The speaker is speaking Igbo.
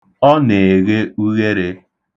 Ọ na-eghe ughere